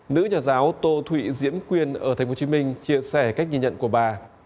nữ nhà giáo tô thị diễm quyên ở thành phố hồ chí minh chia sẻ cách nhìn nhận của bà